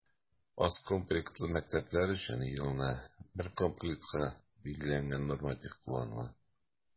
Аз комплектлы мәктәпләр өчен елына бер комплектка билгеләнгән норматив кулланыла.